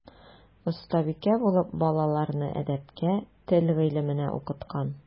Остабикә булып балаларны әдәпкә, тел гыйлеменә укыткан.